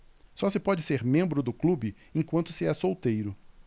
só se pode ser membro do clube enquanto se é solteiro